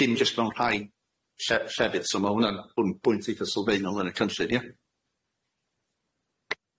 Dim dim jyst mewn rhai lle- llefydd so ma' hwnna'n bod yn pwynt eitha sylfaenol yn y cynllun ie?